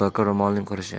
doka ro'molning qurishi